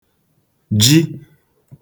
ji